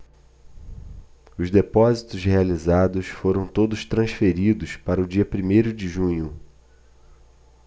os depósitos realizados foram todos transferidos para o dia primeiro de junho